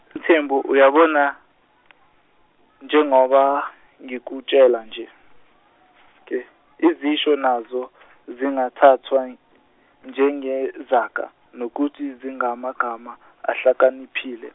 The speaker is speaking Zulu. Mthembu uyabona, njengoba ngikutshela nje , izisho nazo zingathathwa, njengezaga, nokuthi zingamagama ahlakaniphile.